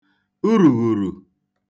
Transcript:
urùghùrù